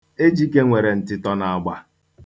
Ejike nwere ntịtọ n'agba.